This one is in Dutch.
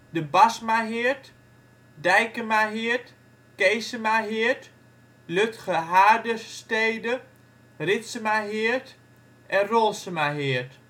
de Basmaheerd, Deijkemaheerd, Keesemaheerd, Lutke Haerde Stede, Ritsemaheerd en Rolsemaheerd